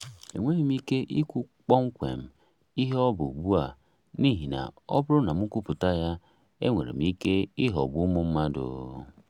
Enweghị m ike ikwu kpọmkwem ihe ọ bụ ugbu a n'ihi na ọ bụrụ na m kwupụta ya, enwere m ike ịghọgbu ụmụ mmadụ.